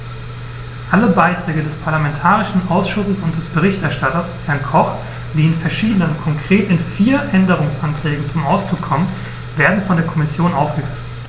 Alle Beiträge des parlamentarischen Ausschusses und des Berichterstatters, Herrn Koch, die in verschiedenen, konkret in vier, Änderungsanträgen zum Ausdruck kommen, werden von der Kommission aufgegriffen.